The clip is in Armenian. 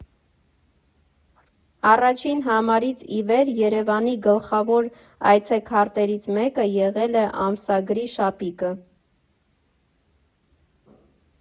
Առաջին համարից ի վեր՝ ԵՐԵՎԱՆի գլխավոր այցեքարտերից մեկը եղել է ամսագրի շապիկը։